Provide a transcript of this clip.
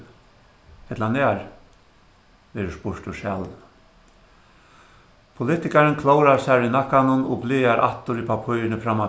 ella nær verður spurt úr salinum politikarin klórar sær í nakkanum og blaðar aftur í pappírini framman